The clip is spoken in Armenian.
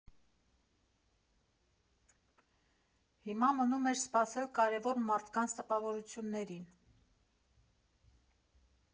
Հիմա մնում էր սպասել կարևոր մարդկանց տպավորություններին։